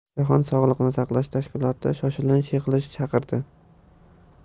jahon sog'liqni saqlash tashkiloti shoshilinch yig'ilish chaqirdi